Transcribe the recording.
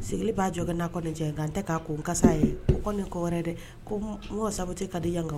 Sigilen b'a jɔ n'a kɔni cɛ nka n tɛ k' ko kasa ye ko kɔ nin kɔ wɛrɛ dɛ ko mɔgɔ sababu tɛ ka di yanka